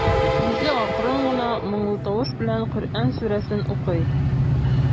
Үзе акрын гына, моңлы тавыш белән Коръән сүрәсен укый.